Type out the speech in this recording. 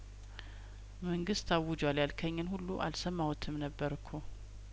መንግስት አውጇል ያልከኝን ሁሉ አልሰማ ሁትም ነበር እኮ